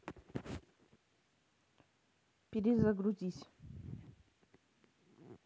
перезагрузись